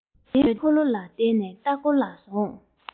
འདྲུད འཐེན འཁོར ལོ ལ བསྡད ནས ལྟ སྐོར ལ འོངས